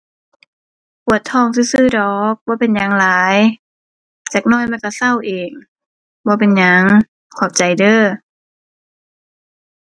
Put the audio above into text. ปวดท้องซื่อซื่อดอก บ่เป็นหยังหลาย จักหน่อยมันก็เซาเอง บ่เป็นหยัง ขอบใจเด้อ